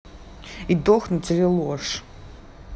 и дохнуть или ложь